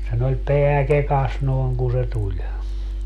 sen oli pää kekassa noin kun se tuli